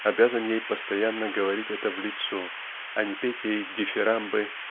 обязан ей постоянно говорить это в лицо а не петь ей дифирамбы